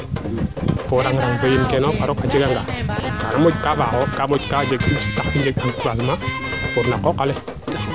fo ranga rang feeyiin keene yiin fop a roka nga a jega nga kaa moƴ kaa faax rek kaa moƴ kaa jeg puissance na qoqale